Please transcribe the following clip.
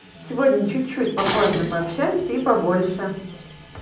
сегодня чуть чуть попозже пообщаемся и побольше